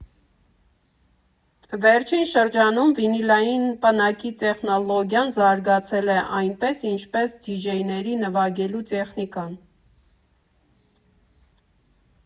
Վերջին շրջանում վինիլային պնակի տեխնոլոգիան զարգացել է, այնպես, ինչպես դիջեյների նվագելու տեխնիկան։